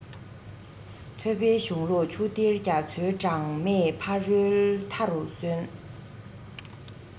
ཐོས པའི གཞུང ལུགས ཆུ གཏེར རྒྱ མཚོའི གྲངས མེད ཕ རོལ མཐའ རུ སོན